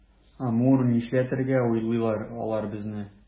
Амур, нишләтергә уйлыйлар алар безне?